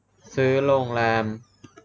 ซื้อโรงแรม